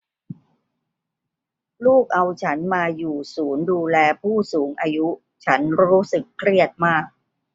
ลูกเอาฉันมาอยู่ศูนย์ดูแลผู้สูงอายุฉันรู้สึกเครียดมาก